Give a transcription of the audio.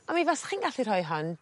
A mi faswch chi'n gallu rhoi hon